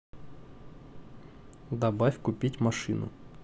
добавь купить машину